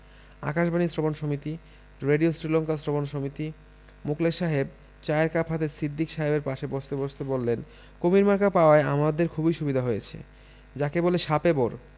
আকাশবাণী শ্রবণ সমিতি রেডিও শীলংকা শ্রবণ সমিতি মুখলেস সাহেব চায়ের কাপ হাতে সিদ্দিক সাহেবের পাশে বসতে বসতে বললেন কুমীর মার্কা পাওয়ায় আমাদের খুবই সুবিধা হয়েছে যাকে বলে শাপে বর